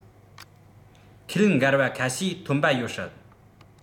ཁས ལེན འགལ བ ཁ ཤས ཐོན པ ཡོད སྲིད